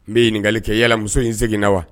N bɛ ɲininkakali kɛ yalamuso in seg na wa